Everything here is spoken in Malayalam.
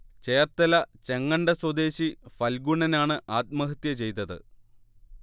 ചേർത്തല ചെങ്ങണ്ട സ്വദേശി ഫൽഗുണനാണ് ആത്മഹത്യ ചെയ്തത്